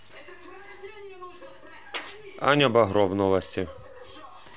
аня богров новости